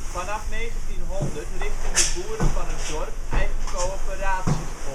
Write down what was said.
Vanaf 1900 richtten de boeren van het dorp eigen coöperaties